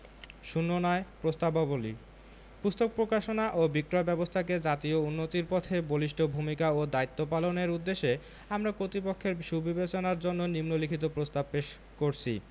০৯ প্রস্তাবাবলী পুস্তক প্রকাশনা ও বিক্রয় ব্যাবস্থাকে জাতীয় উন্নতির পথে বলিষ্ঠ ভূমিকা ও দায়িত্ব পালনের উদ্দেশ্যে আমরা কর্তৃপক্ষের সুবিবেচনার জন্য নিন্ম লিখিত প্রস্তাব পেশ করছি